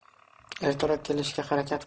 ertaroq kelishga harakat